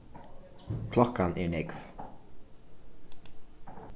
klokkan er nógv